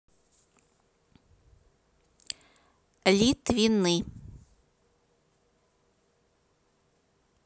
литвины